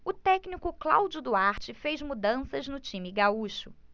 o técnico cláudio duarte fez mudanças no time gaúcho